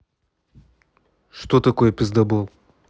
что такое пиздабол